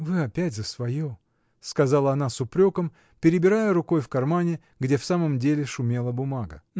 — Вы опять за свое, — сказала она с упреком, перебирая рукой в кармане, где в самом деле шумела бумага.